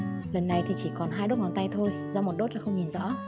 lần này thì chỉ còn hai đốt ngón tay thôi do một đốt ta không nhìn rõ